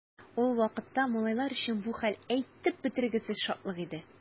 Ул вакытта малайлар өчен бу хәл әйтеп бетергесез шатлык иде.